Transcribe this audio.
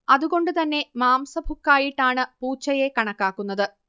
അതുകൊണ്ട് തന്നെ മാംസഭുക്കായിട്ടാണ് പൂച്ചയെ കണക്കാക്കുന്നത്